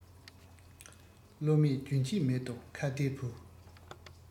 ཅི སྣང ཟས སུ ཟ བས སེམས ཁྲལ ཆུང